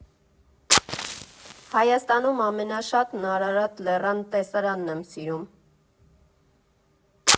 Հայաստանում ամենաշատն Արարատ լեռան տեսարանն եմ սիրում։